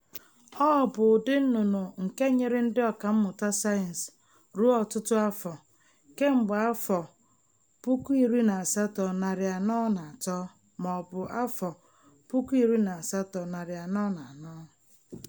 Ọ bụ ụdị nnụnụ nke nyịrị ndị ọkammụta sayensị ruo ọtụtụ afọ, kemgbe 1843 ma ọ bụ 1844.